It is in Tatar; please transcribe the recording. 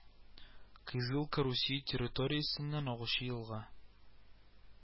Кызылка Русия территориясеннән агучы елга